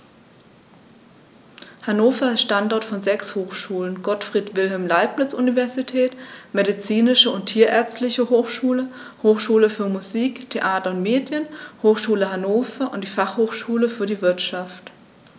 Hannover ist Standort von sechs Hochschulen: Gottfried Wilhelm Leibniz Universität, Medizinische und Tierärztliche Hochschule, Hochschule für Musik, Theater und Medien, Hochschule Hannover und die Fachhochschule für die Wirtschaft.